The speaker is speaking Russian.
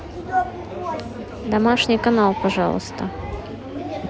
домашний канал пожалуйста